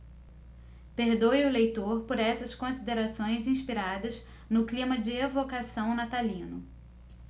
perdoe o leitor por essas considerações inspiradas no clima de evocação natalino